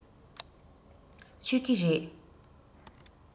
མཆོད ཀྱི རེད